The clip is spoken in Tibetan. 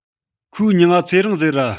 ཁོའི མྱིང ང ཚེ རིང ཟེར ར